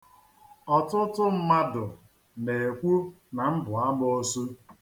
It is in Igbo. Ọtụtụ mmadụ na-ekwu na m bụ amoosu.